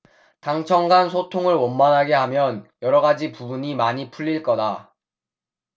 당청간 소통을 원만하게 하면 여러가지 부분이 많이 풀릴거다